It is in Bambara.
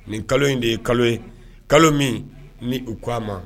Nin kalo in de ye kalo ye kalo min ni u ko a ma